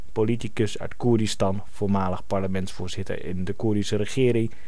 politicus uit Koerdistan, voormalig Parlemenstvoorzitter in de Koerdische regering